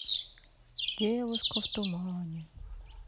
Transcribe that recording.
девушка в тумане